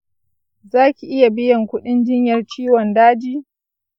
zaki iya biyan kudin jinyar ciwon daji?